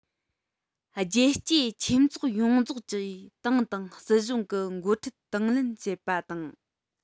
རྒྱལ གཅེས ཆོས ཚོགས ཡོངས རྫོགས ཀྱིས ཏང དང སྲིད གཞུང གི འགོ ཁྲིད དང ལེན བྱེད པ དང